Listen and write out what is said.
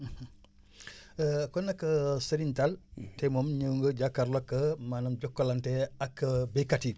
kon nag Serigne Tall tey moom ñëw nga jàkkaarloog maanaam Jokalante ak baykat yi